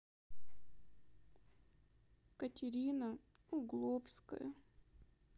катерина угловская